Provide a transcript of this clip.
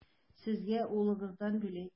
Сезгә улыгыздан бүләк.